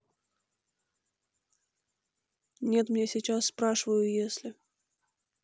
нет мне сейчас спрашиваюесли